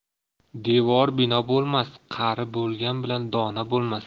devor bino bo'lmas qari bo'lgan bilan dono bo'lmas